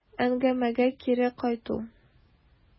Әңгәмәгә кире кайту.